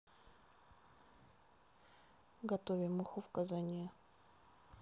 готовим уху в казане